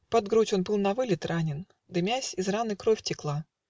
Под грудь он был навылет ранен; Дымясь из раны кровь текла.